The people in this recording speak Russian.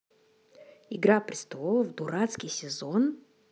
игра престолов дурацкий сезон